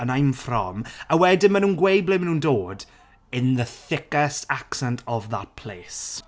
and I'm from" a wedyn ma' nhw'n gweud ble ma' nhw'n dod in the thickest accent of that place.